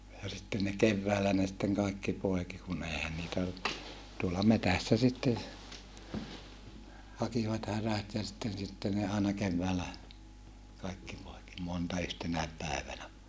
ja sitten ne keväällä ne sitten kaikki poiki kun eihän niitä tuolla metsässä sitten hakivat härät ja sitten sitten ne aina keväällä kaikki poiki monta yhtenäkin päivänä